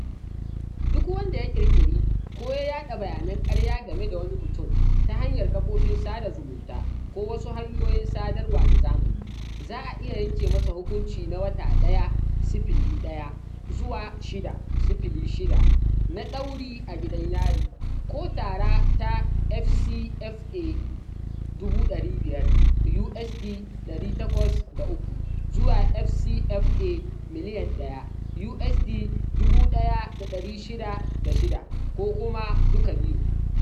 Duk wanda ya ƙirƙiri ko ya yaɗa bayanan ƙarya game da wani mutum ta hanyar kafofin sada zumunta ko wasu hanyoyin sadarwa na zamani, za a iya yanke masa hukunci na wata ɗaya (01) zuwa shida (06) na ɗauri a gidan yari, ko tara ta FCFA 500,000 (USD 803) zuwa FCFA 1,000,000 (USD 1,606), ko kuma duka biyun.